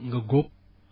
nga góob